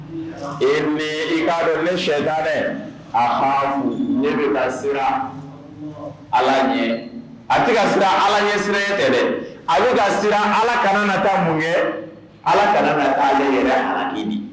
E ni i ka ne shɛda a ne bɛ sira ala ɲɛ a sira ala ye sira tɛ dɛ a ye ka ala kana na taa mun kɛ ala kana yɛrɛ